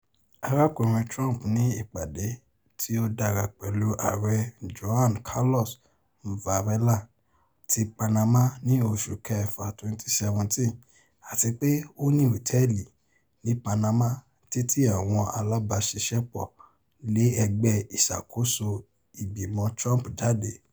Arakunrin Trump ni ipade ti o dara pẹlu Aare Juan Carlos Varela ti Panama ni oṣu kẹfa 2017 ati pe o ni otẹẹli ni Panama titi awọn alabaṣiṣẹpọ le ẹgbẹ isakoso Igbimọ Trump jade.